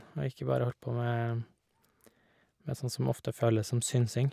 Og ikke bare holde på med med sånn som ofte føles som synsing.